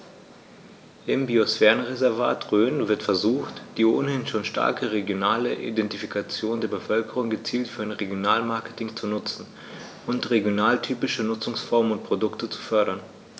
Im Biosphärenreservat Rhön wird versucht, die ohnehin schon starke regionale Identifikation der Bevölkerung gezielt für ein Regionalmarketing zu nutzen und regionaltypische Nutzungsformen und Produkte zu fördern.